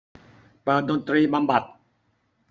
เปิดดนตรีบำบัด